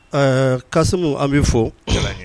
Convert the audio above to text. Ɛɛ kasi an bɛi fo